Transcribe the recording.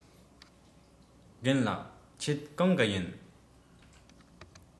རྒན ལགས ཁྱེད གང གི ཡིན